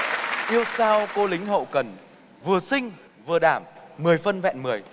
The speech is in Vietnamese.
yêu sao cô lính hậu cần vừa xinh vừa đảm mười phân vẹn mười